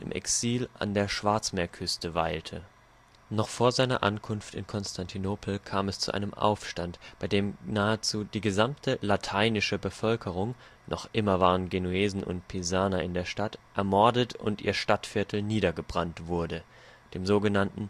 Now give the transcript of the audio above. Exil an der Schwarzmeer-Küste weilte. Noch vor seiner Ankunft in Konstantinopel kam es zu einem Aufstand, bei dem nahezu die gesamte " lateinische " Bevölkerung (noch immer waren Genuesen und Pisaner in der Stadt) ermordet und ihr Stadtviertel niedergebrannt wurde (dem sog.